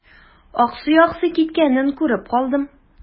Аксый-аксый киткәнен күреп калдым.